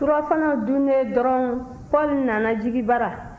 surɔfana dunnen dɔrɔn paul nana jigi bara